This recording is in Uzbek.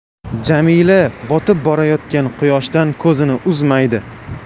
jamila botib borayotgan quyoshdan ko'zini uzmaydi